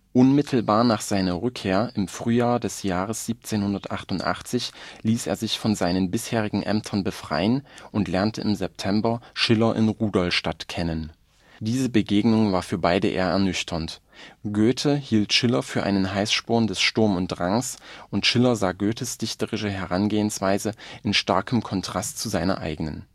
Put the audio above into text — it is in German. Unmittelbar nach seiner Rückkehr im Frühjahr des Jahres 1788 ließ er sich von seinen bisherigen Ämtern befreien und lernte im September Schiller in Rudolstadt kennen. Diese Begegnung war für beide eher ernüchternd: Goethe hielt Schiller für einen Heißsporn des Sturm und Drangs, und Schiller sah Goethes dichterische Heransgehensweise in starkem Kontrast zu seiner eigenen